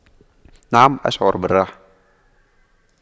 نعم أشعر بالراحة